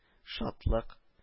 Шатлык